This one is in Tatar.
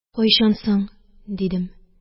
– кайчан соң? – дидем